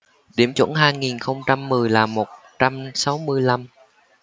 điểm chuẩn hai nghìn không trăm mười là một trăm sáu mươi lăm